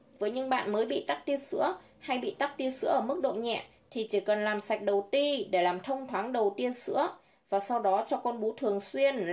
với những bạn mới bị tắc tia sữa hay tắc tia sữa ở mức độ nhẹ thì chỉ cần làm sạch đầu ti để làm thông thoáng đầu tia sữa và sau đó cho con bú thường xuyên